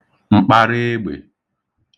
m̀kpareegbè